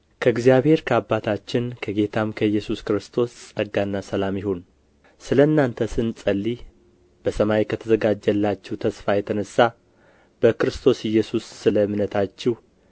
ከእግዚአብሔር ከአባታችን ከጌታም ከኢየሱስ ክርስቶስ ጸጋና ሰላም ይሁን ስለ እናንተ ስንጸልይ በሰማይ ከተዘጋጀላችሁ ተስፋ የተነሣ በክርስቶስ ኢየሱስ ስለ እምነታችሁ